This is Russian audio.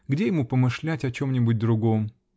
Где ему помышлять о чем-нибудь другом?